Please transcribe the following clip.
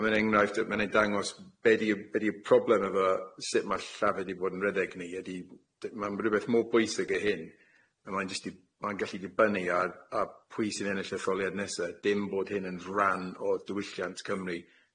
A ma'n enghraifft yy ma' nw'n dangos be' di' yy be' di' y problem efo sut ma' llafur di bod yn ryddeg ni ydi d- ma'n rwbeth mor bwysig i hyn a mae'n jyst i- ma'n gallu dibynnu ar a pwy sy'n ennill etholiad nesa dim bod hyn yn fran o diwylliant Cymru